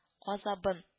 Газабын